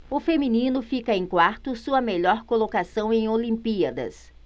o feminino fica em quarto sua melhor colocação em olimpíadas